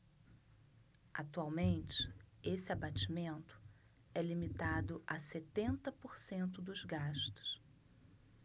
atualmente esse abatimento é limitado a setenta por cento dos gastos